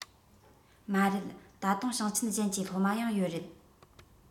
མ རེད ད དུང ཞིང ཆེན གཞན གྱི སློབ མ ཡང ཡོད རེད